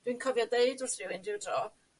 Dwi'n cofio deud wrth rywun ryw dro